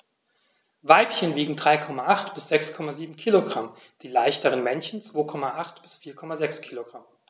Weibchen wiegen 3,8 bis 6,7 kg, die leichteren Männchen 2,8 bis 4,6 kg.